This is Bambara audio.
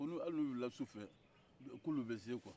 ko hali n'olu wilila sufɛ k'olu bɛ se kuwa